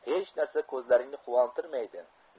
hech narsa ko'zlaringni quvontirmaydi